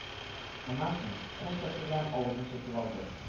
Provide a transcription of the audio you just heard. Аннан соң кул сырты белән авызын сөртеп алды